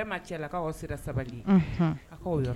Ma cɛ lakaw aw sera sabali a'aw yɔrɔ